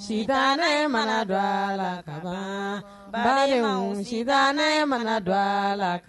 Sisan ne mana dɔgɔ a la ka ba sisan ne mana dɔgɔ a la